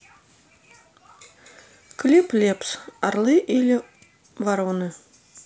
клип лепс орлы или вороны